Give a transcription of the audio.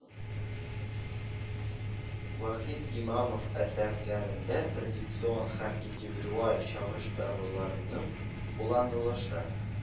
ВАХИТ ИМАМОВ ӘСӘРЛӘРЕНДӘ ТРАДИЦИОН ҺӘМ ИНДИВИДУАЛЬ ЧАГЫШТЫРУЛАРНЫҢ КУЛЛАНЫЛЫШЫ